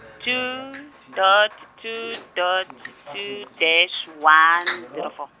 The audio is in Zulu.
two dot two dot two dash one zero four.